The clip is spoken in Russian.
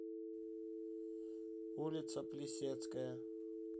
улица плисецкая